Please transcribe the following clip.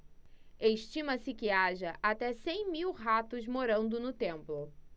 estima-se que haja até cem mil ratos morando no templo